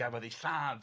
gafodd eu lladd.